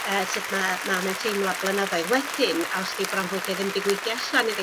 yy sut ma' mam yn teimlo blynyddoedd wedyn a os 'di bronfwydio ddim 'di gweithio allan iddi